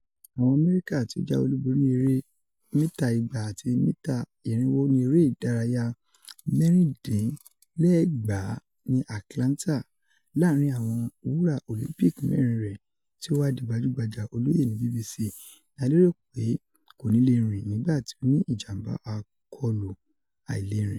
Awọn Amẹrika, ti o jawe olubori ni ere 200 mita ati 400 mita ni Ere Idaraya 1996 ni Atlanta laarin awọn wura Olympic mẹrin rẹ ti o wa di gbajugbaja oloye ni BBC, ni a lero pe koni le rin nigba ti o ni ijamba akọlu ailerin.